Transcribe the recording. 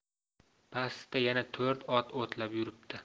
pastlikda yana to'rt ot o'tlab yuribdi